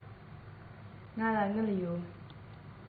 ངས ཨ ཕ ཁྱེད ལོགས ཕེབས ཤིག ཅེས ཞུས པར